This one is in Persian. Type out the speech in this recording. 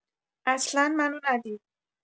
اصلا منو ندید